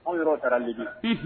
Aw yɛrɛw taara Libi Unhun